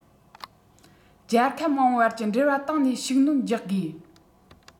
རྒྱལ ཁབ མང པོའི བར གྱི འབྲེལ བ སྟེང ནས ཤུགས སྣོན རྒྱག དགོས